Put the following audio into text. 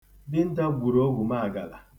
Dinta gburu ogwumaagala.